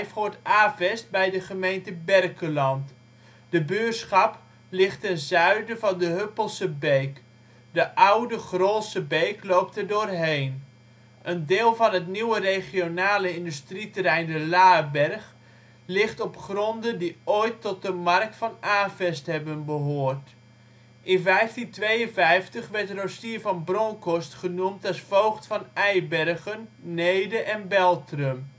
hoort Avest bij de gemeente Berkelland. De buurschap ligt ten zuiden van de Hupselse Beek. De Oude (Grolse) Beek loopt er door heen. Een deel van het nieuwe regionale industrieterrein De Laarberg ligt op gronden die ooit tot de mark van Avest hebben behoord. In 1552 werd Rosier van Bronckhorst genoemd als voogd van Eiber­gen, Neede en Beltrum